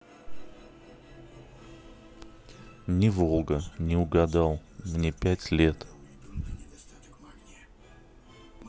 не волга не угадал мне пять лет